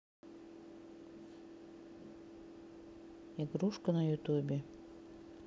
игрушка на ютюбе